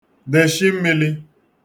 dèshī mmīlī